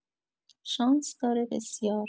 شانس داره بسیار